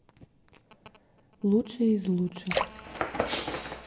лучшие из лучших